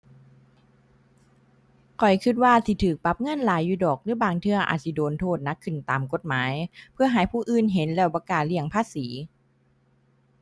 ข้อยคิดว่าสิคิดปรับเงินหลายอยู่ดอก หรือบางเทื่ออาจสิโดนโทษหนักขึ้นตามกฎหมาย เพื่อให้ผู้อื่นเห็นแล้วบ่กล้าเลี่ยงภาษี